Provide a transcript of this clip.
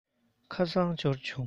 ཁ སང རང འབྱོར བྱུང